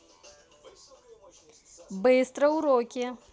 быстро уроки